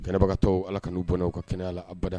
Kɛnɛbagatɔ ala ka'u bɔnw ka kɛnɛya la a bada